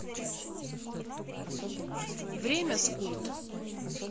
время скульт